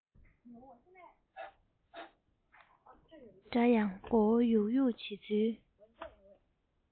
འདྲ ཡང མགོ བོ གཡུག གཡུག བྱེད ཚུལ